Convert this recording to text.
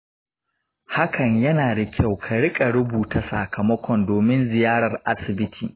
hakan yana da kyau; ka riƙa rubuta sakamakon domin ziyarar asibiti.